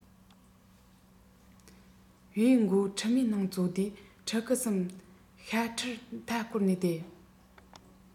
བེའུ མགོ ཕྲུ བའི ནང བཙོ དུས ཕྲུ གུ གསུམ ཤ ཕྲུར མཐའ སྐོར ནས བསྡད